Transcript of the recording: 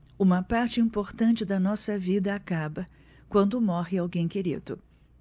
uma parte importante da nossa vida acaba quando morre alguém querido